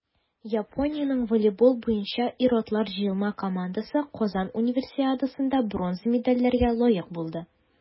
Япониянең волейбол буенча ир-атлар җыелма командасы Казан Универсиадасында бронза медальләргә лаек булды.